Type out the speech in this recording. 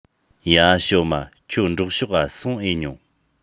ཡ ཞོ མྰ ཁྱོད འབྲོག ཕྱོགས འ སོང ཨེ མྱོང